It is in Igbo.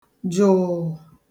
jụ̀ụ̀